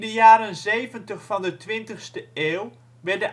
jaren zeventig van de twintigste eeuw werd de